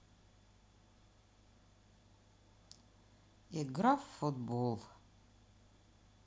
игра в футбол